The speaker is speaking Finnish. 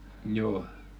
joo